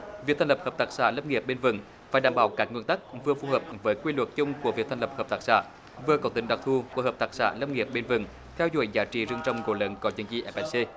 việc thành lập hợp tác xã lâm nghiệp bền vững phải đảm bảo các nguyên tắc cũng vừa phù hợp với quy luật chung của việc thành lập hợp tác xã vừa có tính đặc thù của hợp tác xã lâm nghiệp bền vững theo chuỗi giá trị rừng trồng gỗ lớn có chứng chỉ ép ét xê